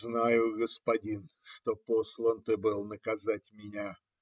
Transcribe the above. - Знаю, господин, что послан ты был наказать меня.